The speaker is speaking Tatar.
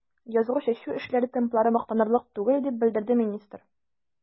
Язгы чәчү эшләре темплары мактанырлык түгел, дип белдерде министр.